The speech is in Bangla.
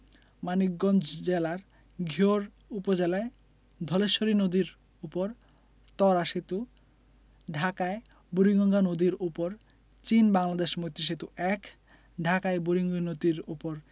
মানিকগঞ্জ জেলার ঘিওর উপজেলায় ধলেশ্বরী নদীর উপর ত্বরা সেতু ঢাকায় বুড়িগঙ্গা নদীর উপর চীন বাংলাদেশ মৈত্রী সেতু ১ ঢাকায় বুড়িগঙ্গা নদীর উপর